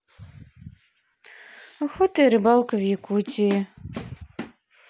охота и рыбалка в якутии